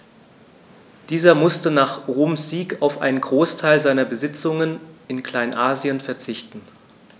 Dieser musste nach Roms Sieg auf einen Großteil seiner Besitzungen in Kleinasien verzichten.